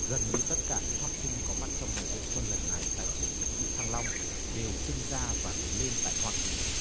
gần như tất cả những học sinh có mặt trong ngày hội xuân lần này tại trường việt ngữ thăng long đều sinh ra và lớn lên tại hoa kỳ